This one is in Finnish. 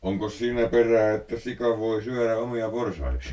onkos siinä perää että sika voi syödä omia porsaitaan